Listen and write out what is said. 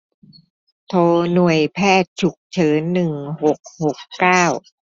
โทรหน่วยแพทย์ฉุกเฉินหนึ่งหกหกเก้า